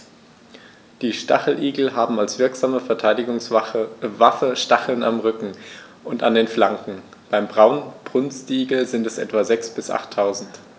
Die Stacheligel haben als wirksame Verteidigungswaffe Stacheln am Rücken und an den Flanken (beim Braunbrustigel sind es etwa sechs- bis achttausend).